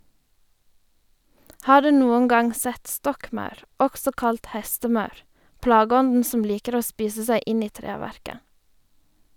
Har du noen gang sett stokkmaur, også kalt hestemaur, plageånden som liker å spise seg inn i treverket?